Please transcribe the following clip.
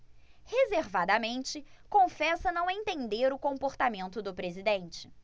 reservadamente confessa não entender o comportamento do presidente